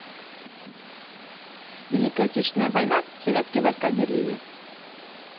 великая отечественная война советские войска в берлине